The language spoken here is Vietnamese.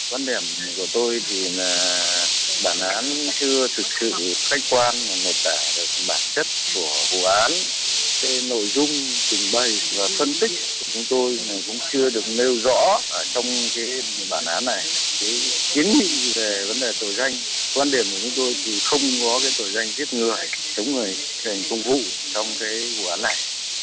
quan điểm của tôi thì là bản án chưa thực sự khách quan mà lột tả được bản chất của vụ án về nội dung trình bày phân tích chúng tôi cũng chưa được nêu rõ ở trong cái bản án này cái kiến nghị về vấn đề tội danh quan điểm của chúng tôi thì không có cái tội danh giết người chống người thi hành công vụ trong cái vụ án này